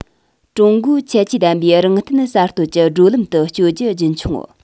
ཀྲུང གོའི ཁྱད ཆོས ལྡན པའི རང བརྟེན གསར གཏོད ཀྱི བགྲོད ལམ དུ བསྐྱོད རྒྱུ རྒྱུན འཁྱོངས